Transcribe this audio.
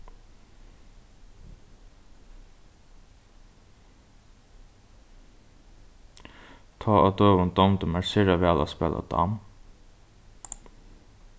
tá á døgum dámdi mær sera væl at spæla damm